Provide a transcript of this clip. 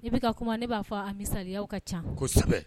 I bɛ ka kuma ne b'a fɔ a misaya ka ca